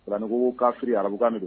Uran kafi arabukan minɛ don